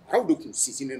Aw de tun sinsin